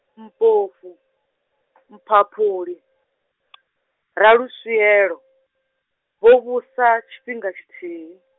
Mpofu, Mphaphuli, Raluswielo, vho vhusa tshifhinga tshithihi.